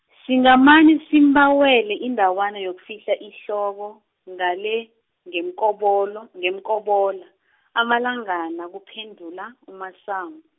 singamane simbawele indawana yokufihla ihloko, ngale, ngeMkobola, ngeMkobola, amalangana kuphendula uMasango.